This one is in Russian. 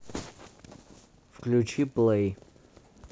включи плей